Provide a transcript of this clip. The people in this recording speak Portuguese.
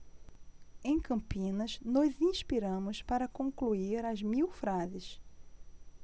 em campinas nos inspiramos para concluir as mil frases